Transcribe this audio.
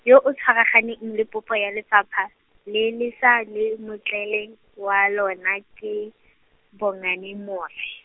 yo o tshwaraganeng le popo ya lefapha, le leša le motlele, wa lona ke, Bongani More.